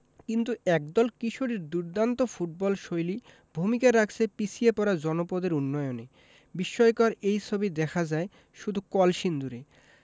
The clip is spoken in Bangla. কিন্তু একদল কিশোরীর দুর্দান্ত ফুটবলশৈলী ভূমিকা রাখছে পিছিয়ে পড়া জনপদের উন্নয়নে বিস্ময়কর এই ছবি দেখা যায় শুধু কলসিন্দুরে